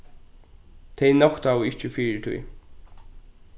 tey noktaðu ikki fyri tí